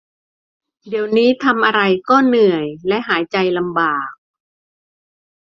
เดี๋ยวนี้ทำอะไรก็เหนื่อยและหายใจลำบาก